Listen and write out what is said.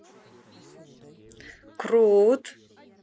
крут